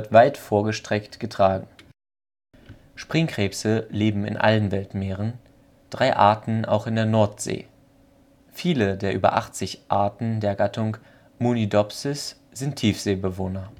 weit vorgestreckt getragen. Springkrebse leben in allen Weltmeeren, drei Vorlage:Speciesen auch in der Nordsee. Viele der über 80 Arten der Vorlage:Genus Munidopsis sind Tiefseebewohner